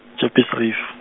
Jeppes Reef.